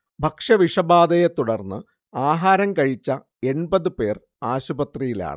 ഭക്ഷ്യ വിഷബാധയെ തുടർന്ന് ആഹാരം കഴിച്ച എണ്പതു പേർ ആശുപത്രിയിലാണ്